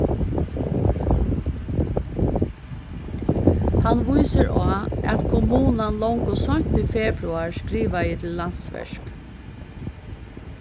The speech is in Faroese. hann vísir á at kommunan longu seint í februar skrivaði til landsverk